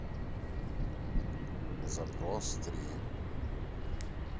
запрос три